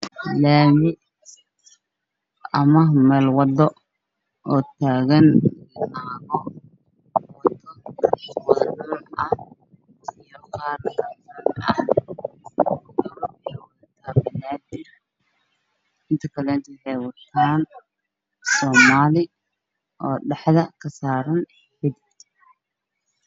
Meeshani wa laami waxtaagan naago wato dhar